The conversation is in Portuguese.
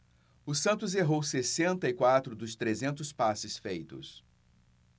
o santos errou sessenta e quatro dos trezentos passes feitos